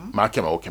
Maa kɛmɛ kɛ